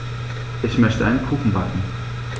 Ich möchte einen Kuchen backen.